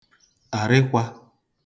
àrịkwā